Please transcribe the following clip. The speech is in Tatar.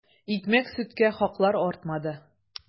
Икмәк-сөткә хаклар артмады.